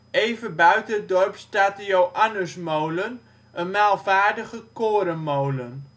Even buiten het dorp staat de Joannusmolen, een maalvaardige korenmolen